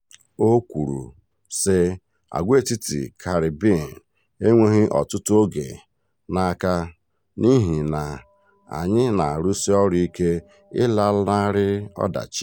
O kwuru, sị, "Agwaetiti Caribbean enweghị ọtụtụ oge n'aka n'ihi na [anyị] na-arụsi ọrụ ike ịlanarị ọdachi.